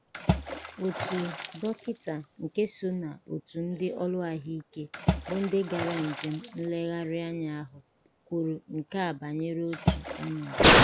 Otu dọkịta nke so n'òtù ndị ọrụ ahụike bụ́ ndị gara njem nlegharị anya ahụ kwuru nke a banyere otu ọnọdu: